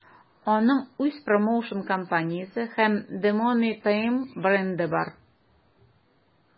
Аның үз промоушн-компаниясе һәм The Money Team бренды бар.